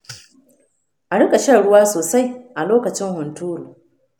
a riƙa shan ruwa sosai a lokacin hunturu.